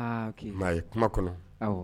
Maa a ye kuma kɔnɔ